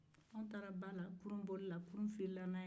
an taara ba la kuruboli la kurun filila n'an ye